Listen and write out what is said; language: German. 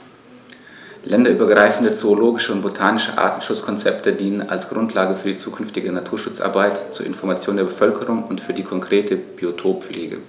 Länderübergreifende zoologische und botanische Artenschutzkonzepte dienen als Grundlage für die zukünftige Naturschutzarbeit, zur Information der Bevölkerung und für die konkrete Biotoppflege.